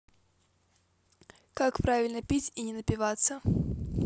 как правильно пить и не напиваться